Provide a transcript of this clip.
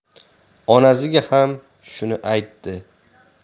onasiga ham shuni aytdi